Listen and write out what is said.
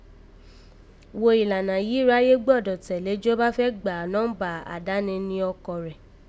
Wò ìlànà yìí iráyé gbẹ́dọ̀ tẹ́lẹ̀ jí ó bá fẹ́ gbà nọ́ḿbà àdáni ni ọkọ̀ rẹ̀